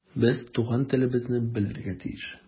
Без туган телебезне белергә тиеш.